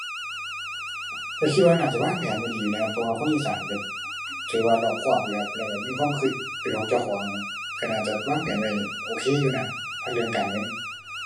ก็คิดว่าน่าจะวางแผนไว้ดีอยู่นะครับ เพราะว่าคนอีสานก็ถือว่ารอบคอบอยู่ครับ แล้วก็มีความก็เป็นของเจ้าของครับ ก็น่าจะวางแผนไว้โอเคอยู่นะครับ ถ้าเรื่องการเงิน